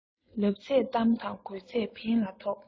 ལབ ཚད གཏམ དང དགོས ཚད འབེན ལ ཕོག